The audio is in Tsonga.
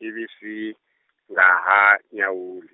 ivi swi, nga ha nyawuli.